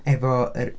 Efo yr...